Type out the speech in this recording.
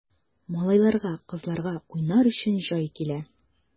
Малайларга, кызларга уйнар өчен җай килә!